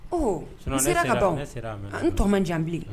Ɔ n sera ka dɔn an n tɔ man jan bilen